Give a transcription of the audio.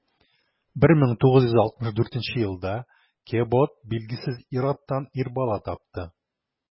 1964 елда кэбот билгесез ир-аттан ир бала тапты.